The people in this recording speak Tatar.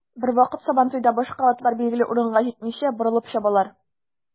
Бервакыт сабантуйда башка атлар билгеле урынга җитмичә, борылып чабалар.